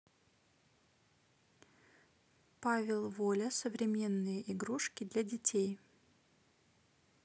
павел воля современные игрушки для детей